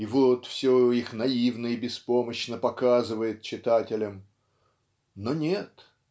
и вот все их наивно и беспомощно показывает читателям но нет